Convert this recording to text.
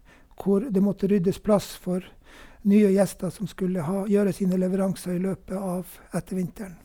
Hvor det måtte ryddes plass for nye gjester som skulle ha gjøre sine leveranser i løpet av ettervinteren.